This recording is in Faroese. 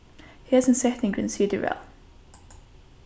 hesin setningurin situr væl